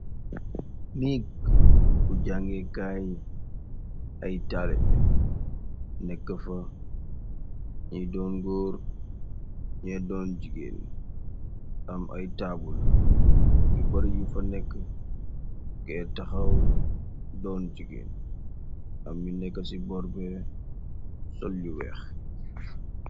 Nèk bu jàngee kaay yi ay talibeh nekka fa ñiy doon gór ñee doon jigeen am ay tabull yu bari yu fa nèkka kee taxaw doon jigéen am yi nèkka ci borbee sol yu weex.